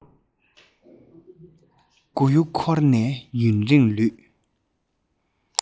མགོ ཡུ འཁོར ནས ཡུན རིང ལུས